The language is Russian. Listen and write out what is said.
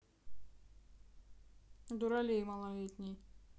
дуралей малолетний